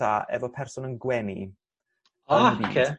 cynta efo person yn gweni... A oce. ...yn y byd.